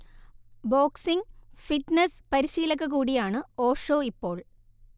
boxing, fitness പരിശീലക കൂടിയാണ് ഓഷോ ഇപ്പോൾ